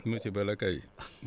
musiba la kay